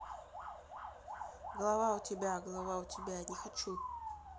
голова у тебя голова у тебя не хочу